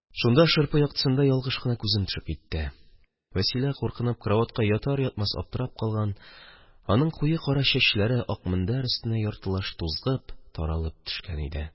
Шунда, шырпы яктысында, ялгыш кына күзем төшеп китте: Вәсилә, куркынып, караватка ятар-ятмас аптырап калган, аның куе-кара чәчләре ак мендәр өстенә яртылаш тузгып, таралып төшкән иде.